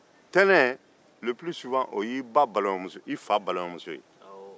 tɛnɛn y'i fa balimamuso